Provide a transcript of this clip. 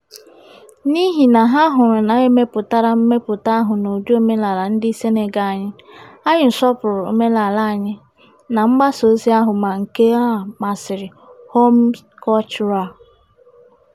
N'ịhị na ha hụrụ na e mepụtara mmepụta ahụ n'ụdị omenala ndị Senegal anyị ... anyị sọpụụrụ omenala anyị na mgbasaozi ahụ ma nke a masịrị "hommes culturels".